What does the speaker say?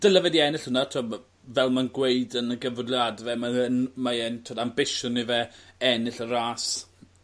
Dyle fe 'di ennill hwnna t'o' ma' fel ma'n gweud yn y gyfweliade fe mae yn mae yn t'od ambition i fe ennill y ras.